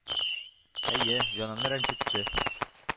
— әйе. җанымны рәнҗетте.